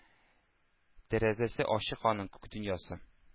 Тәрәзәсе ачык аның; күк дөньясы